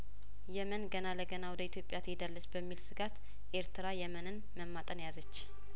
የመን ገና ለገና ወደ ኢትዮጵያት ሄዳለች በሚል ስጋት ኤርትራ የመንን መ ማጠን ያዘች